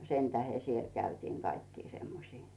sen tähden siellä käytiin kaikkia semmoisia